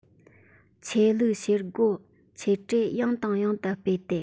ཆོས ལུགས བྱེད སྒོ ཆེ གྲས ཡང དང ཡང དུ སྤེལ ཏེ